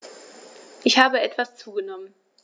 Ich habe etwas zugenommen